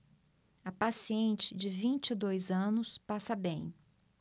a paciente de vinte e dois anos passa bem